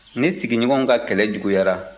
ne sigiɲɔgɔnw ka kɛlɛ juguyara